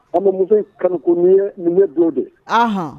A amadu muso in kanuku ni numu ye don de ye